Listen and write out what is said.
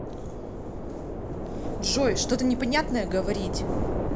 джой что то непонятное говорить